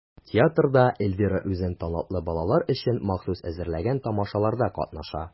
Театрда Эльвира үзен талантлы балалар өчен махсус әзерләнгән тамашаларда катнаша.